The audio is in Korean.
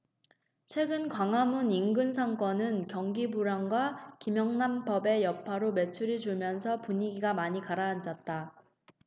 최근 광화문 인근 상권은 경기 불황과 김영란법의 여파로 매출이 줄면서 분위기가 많이 가라앉았다